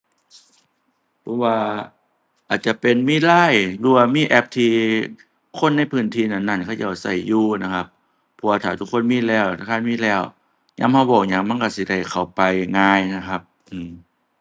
ผมว่าอาจจะเป็นมี LINE หรือว่ามีแอปที่คนในพื้นที่นั้นนั้นเขาเจ้าใช้อยู่นะครับ เพราะว่าถ้าทุกคนมีแล้ว ธนาคารมีแล้ว ยามใช้เว้าหยังมันใช้สิได้เข้าไปง่ายนะครับ อืม